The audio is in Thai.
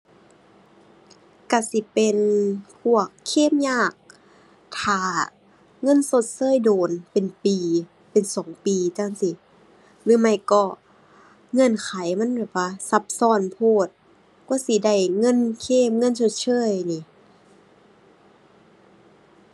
ก็สิเป็นพวกเคลมยาก ท่าเงินชดเชยโดนเป็นปีเป็นสองปีจั่งซี้ หรือไม่ก็เงื่อนไขมันแบบว่าซับซ้อนโพด กว่าสิได้เงินเคลมเงินชดเชยหนิ